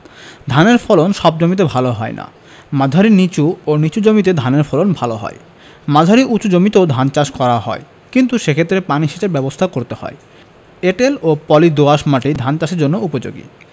ধানের ফলন সব জমিতে ভালো হয় না মাঝারি নিচু ও নিচু জমিতে ধানের ফলন ভালো হয় মাঝারি উচু জমিতেও ধান চাষ করা হয় কিন্তু সেক্ষেত্রে পানি সেচের ব্যাবস্থা করতে হয় এঁটেল ও পলি দোআঁশ মাটি ধান চাষের জন্য উপযোগী